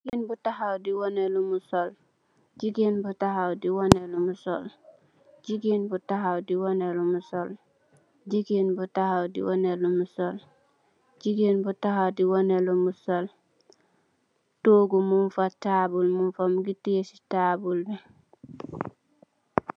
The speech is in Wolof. Jigeen bu taxaw di woneh lum sol Jigeen bu taxaw di woneh lum sol Jigeen bu taxaw di woneh lum sol Jigeen bu taxaw di woneh lum sol Jigeen bu taxaw di woneh lum sol togu mung fa tabul mung fa moogi teyeh si tabul bi.